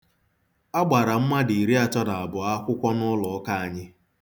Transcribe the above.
A gbara mmadụ iriatọ na abụọ akwụkwọ n'ụlọụka anyị.